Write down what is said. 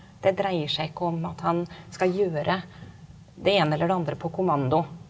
det dreier seg ikke om at han skal gjøre det ene eller det andre på kommando.